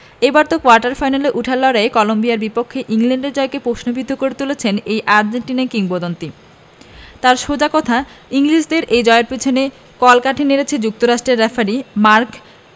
এবার তো কোয়ার্টার ফাইনালে ওঠার লড়াইয়ে কলম্বিয়ার বিপক্ষে ইংল্যান্ডের জয়কেই প্রশ্নবিদ্ধ করে তুলেছেন এই আর্জেন্টাইন কিংবদন্তি তাঁর সোজা কথা ইংলিশদের এই জয়ের পেছনে কলকাঠি নেড়েছেন যুক্তরাষ্ট্রের রেফারি মার্ক